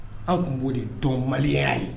Anw tun b'o de dɔn maliyaya ye